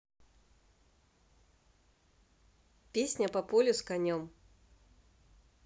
песня по полю с конем